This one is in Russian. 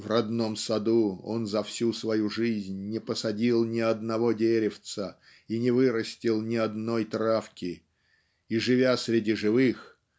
в родном саду он за всю свою жизнь не посадил ни одного деревца и не вырастил ни одной травки и живя среди живых.